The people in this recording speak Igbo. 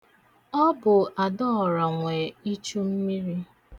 Ọ bụ Adaọra nwe ichu mmiri.